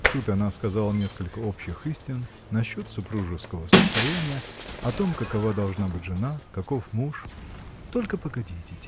Тут она сказала несколько общих истин насчет супружеского состояния о том какова должна быть жена каков муж. – Только погодите.